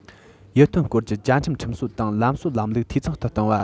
ཡིད རྟོན སྐོར གྱི བཅའ ཁྲིམས ཁྲིམས སྲོལ དང ལམ སྲོལ ལམ ལུགས འཐུས ཚང དུ བཏང བ